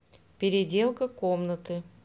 переделка комнаты